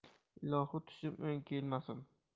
ilohi tushim o'ng kelmasin